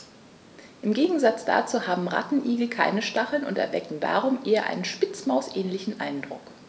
Im Gegensatz dazu haben Rattenigel keine Stacheln und erwecken darum einen eher Spitzmaus-ähnlichen Eindruck.